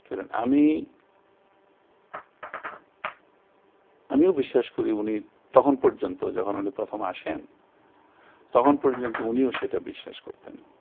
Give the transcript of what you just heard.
শোনেন আমি আমিও বিশ্বাস করি উনি তখন পর্যন্ত যখন উনি প্রথম আসেন তখন পর্যন্ত উনিও সেটা বিশ্বাস করতেন